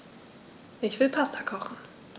Ich will Pasta kochen.